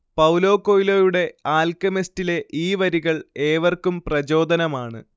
Paulo കൊയ്ലോയുടെ ആൽക്കെമിസ്റ്റിലെ ഈ വരികൾ ഏവർക്കും പ്രചോദനമാണ്